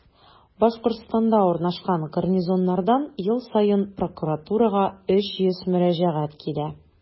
Башкортстанда урнашкан гарнизоннардан ел саен прокуратурага 300 мөрәҗәгать килә.